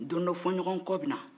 dondɔ fɔ ɲɔgɔn kɔ be na